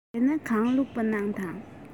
བྱས ན གང བླུགས དང